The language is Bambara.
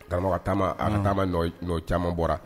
Karamɔgɔ taama hali na ma nɔ ye, nɔ caman bɔra